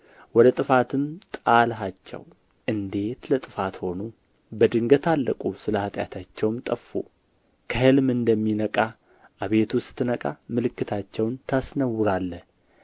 ወደ ጥፋትም ጣልኻቸው እንዴት ለጥፋት ሆኑ በድንገት አለቁ ስለ ኃጢአታቸውም ጠፉ ከሕልም እንደሚነቃ አቤቱ ስትነቃ ምልክታቸውን ታስነውራለህ